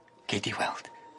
Gei di weld.